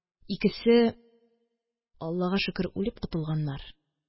Икесе, Аллага шөкер, үлеп котылганнар